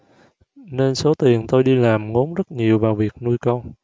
nên số tiền tôi đi làm ngốn rất nhiều vào việc nuôi con